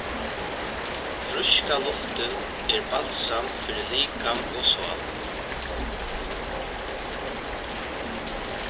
fríska luftin er balsam fyri likam og sál